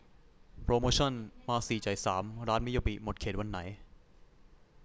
โปรโมชันมาสี่จ่ายสามร้านมิยาบิหมดเขตวันไหน